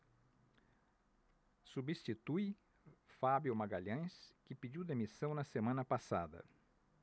substitui fábio magalhães que pediu demissão na semana passada